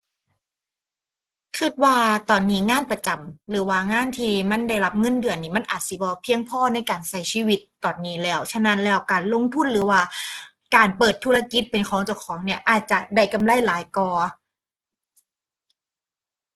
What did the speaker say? คิดว่าตอนนี้งานประจำหรือว่างานที่มันได้รับเงินเดือนนี้ มันอาจสิบ่เพียงพอในการคิดชีวิตตอนนี้แล้ว ฉะนั้นแล้วการลงทุนหรือว่าการเปิดธุรกิจเป็นของเจ้าของนี้ อาจจะได้กำไรหลายกว่า